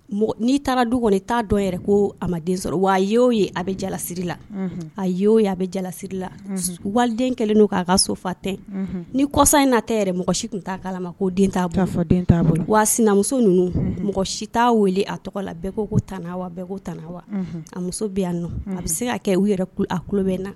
N'i taara du kɔnɔ i t'a dɔn yɛrɛ ko a sɔrɔ wa y ye o ye a bɛ jalasiri la a yeo ye a bɛ jalasiri la waliden kɛlen' k'a ka so fa tɛ ni kɔsa in'a tɛ yɛrɛ mɔgɔ si tun' k' ma ko wa sinamuso ninnu mɔgɔ si t'a weele a tɔgɔ la bɛɛ ko ko tan wa bɛɛ ko tan wa a muso bɛ yan nɔ a bɛ se ka kɛ u yɛrɛ a tulobɛ na